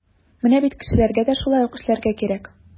Менә бит кешеләргә дә шулай ук эшләргә кирәк.